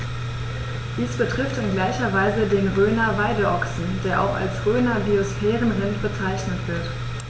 Dies betrifft in gleicher Weise den Rhöner Weideochsen, der auch als Rhöner Biosphärenrind bezeichnet wird.